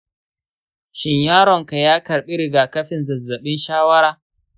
shin yaronka ya karɓi rigakafin zazzabin shawara?